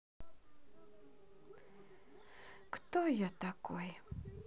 кто я такой